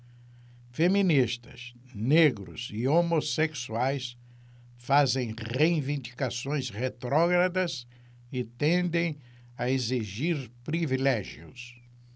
feministas negros e homossexuais fazem reivindicações retrógradas e tendem a exigir privilégios